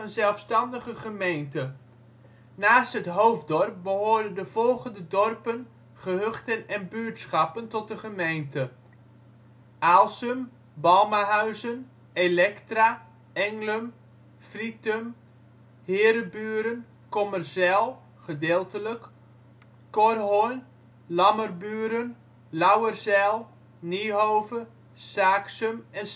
zelfstandige gemeente. Naast het hoofddorp behoorden de volgende dorpen, gehuchten en buurtschappen tot de gemeente: Aalsum, Balmahuizen, Electra, Englum, Frytum, Heereburen, Kommerzijl, (gedeeltelijk), Korhorn, Lammerburen, Lauwerzijl, Niehove, Saaksum en